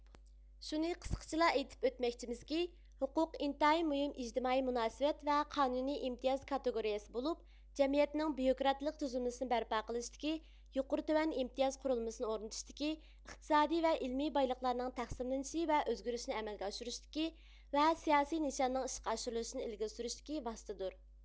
شۇنى قىسقىچىلا ئېيتىپ ئۆتمەكچىمىزكى ھوقۇق ئىنتايىن مۇھىم ئىجتىمائىي مۇناسىۋەت ۋە قانۇنىي ئىمتىياز كاتېگورىيىسى بولۇپ جەمئىيەتنىڭ بيۇروكراتلىق تۈزۈلمىسىنى بەرپا قىلىشتىكى يۇقىرى تۆۋەن ئىمتىياز قۇرۇلمىسىنى ئورنىتىشتىكى ئىقتىسادىي ۋە ئىلمىي بايلىقلارنىڭ تەقسىملىنىشى ۋە ئۆزگىرىشىنى ئەمەلگە ئاشۇرۇشتىكى ۋە سىياسىي نىشاننىڭ ئىشقا ئاشۇرۇلۇشىنى ئىلگىرى سۈرۈشتىكى ۋاسىتىدۇر